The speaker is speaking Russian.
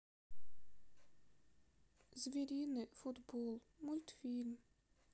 звериный футбол мультфильм